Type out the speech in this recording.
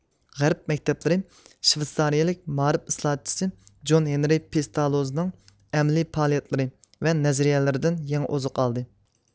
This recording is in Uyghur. غەرب مەكتەپلىرى شۋېتسارىيىلىك مائارىپ ئىسلاھاتچىسى جون ھېنرى پېستالوززىنىڭ ئەمەلىي پائالىيەتلىرى ۋە نەزەرىيىلىرىدىن يېڭى ئوزۇق ئالدى